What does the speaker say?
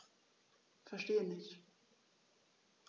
Verstehe nicht.